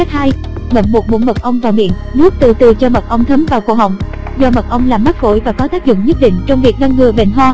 cách ngậm một muỗng mật ong vào miệng nuốt từ từ cho mật ong thấm vào cổ họng do mật ong làm mát phổi và có tác dụng nhất định trong việc ngăn ngừa bệnh ho